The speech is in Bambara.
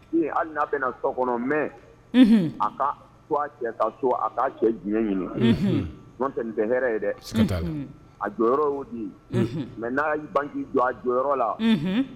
Hali n'a bɛna so kɔnɔ mɛ a ka a cɛ ka so a k' cɛ diɲɛ ɲini' tɛ tɛ hɛrɛɛrɛ ye dɛ a jɔyɔrɔ yɔrɔ' di mɛ n' hakili ban' jɔ a jɔyɔrɔ yɔrɔ la